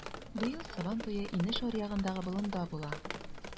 Быел Сабантуе инеш аръягындагы болында була.